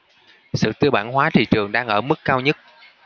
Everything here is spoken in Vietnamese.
sự tư bản hóa thị trường đang ở mức cao nhất